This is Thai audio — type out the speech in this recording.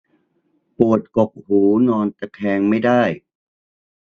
ปวดกกหูนอนตะแคงไม่ได้